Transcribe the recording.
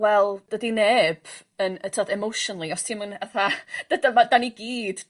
wel dydi neb yn yy t'od emotionally os ti'm yn atha dydan ma' 'dan ni gyd